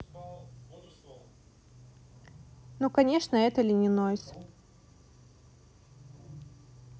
ну конечно это ли не noize